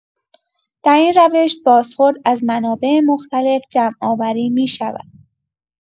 در این روش، بازخورد از منابع مختلف جمع‌آوری می‌شود؛